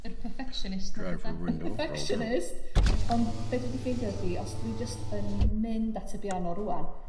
Yr perfectionist 'na dyde? Y perfectionist. Ia. Ond be' dwi 'di ffeindio ydi os dwi jyst yn mynd at y biano rŵan